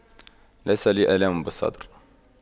ليس لي الآم بالصدر